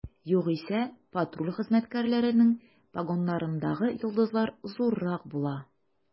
Югыйсә, патруль хезмәткәрләренең погоннарындагы йолдызлар зуррак була.